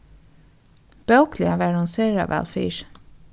bókliga var hon sera væl fyri